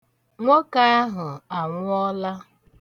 Nwoke ahụ anwụọla.